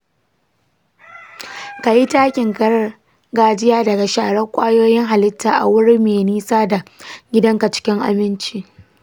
ka yi takin gargajiya daga sharar kwayoyin halitta a wuri mai nisa da gidanka cikin aminci.